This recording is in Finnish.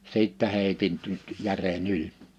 sitten heitin nyt jären yli